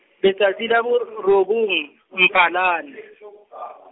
letsatsi la bo r- robong, Mphalane.